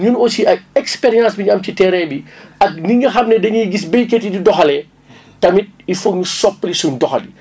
ñun aussi ak expérience bi ñu am ci terrain bi ak nu nga xam ne dañuy gis béykat yi di doxalee t(amit il fogg ñu soppali suénu doxalin